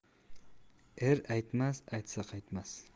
er aytmas aytsa qaytmas